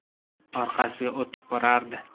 orqasiga o'tib borardi